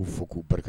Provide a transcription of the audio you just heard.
U fo k'u barika